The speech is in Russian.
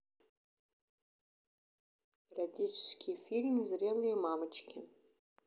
эротический фильм зрелые мамочки